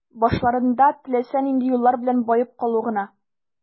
Башларында теләсә нинди юллар белән баеп калу гына.